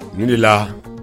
Ne ni la